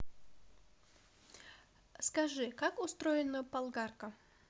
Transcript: скажи как устроена болгарка